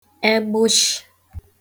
egbụshị̀